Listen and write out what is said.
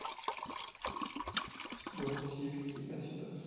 спортивки адидас